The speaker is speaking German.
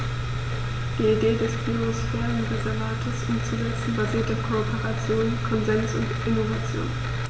Die Idee des Biosphärenreservates umzusetzen, basiert auf Kooperation, Konsens und Innovation.